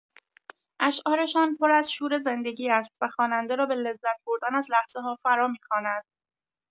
اشعارشان پر از شور زندگی است و خواننده را به لذت‌بردن از لحظه‌ها فرامی‌خواند.